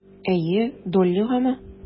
Әйе, Доллигамы?